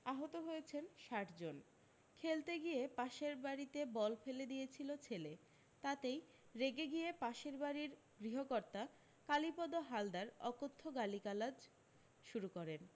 আহত হয়েছেন ষাট জন খেলতে গিয়ে পাশের বাড়ীতে বল ফেলে দিয়েছিল ছেলে তাতেই রেগে গিয়ে পাশের বাড়ীর গৃহকর্তা কালীপদ হালদার অকথ্য গালিগালাজ শুরু করেন